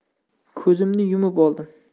ko'zimni yumib oldim